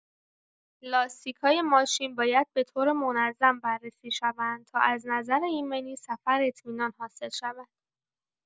لاستیک‌های ماشین باید به‌طور منظم بررسی شوند تا از نظر ایمنی سفر اطمینان حاصل شود.